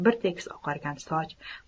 bir tekis oqargan soch